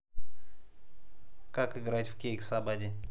как играть в кейк сабади